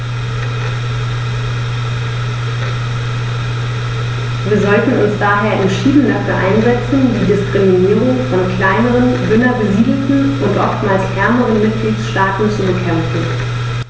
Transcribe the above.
Wir sollten uns daher entschieden dafür einsetzen, die Diskriminierung von kleineren, dünner besiedelten und oftmals ärmeren Mitgliedstaaten zu bekämpfen.